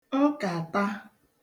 nkàtà